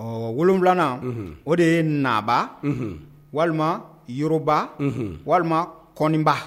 Ɔ wu wolonwula o de ye naba walima yɔrɔba walima kɔnba